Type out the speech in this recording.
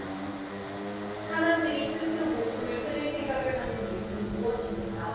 사람들이 스스로 목숨을 끊을 생각을 하는 이유는 무엇입니까